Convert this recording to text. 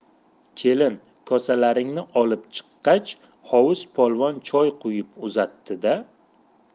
kelin kosalarni olib chiqqach hovuz polvon choy quyib uzatdi da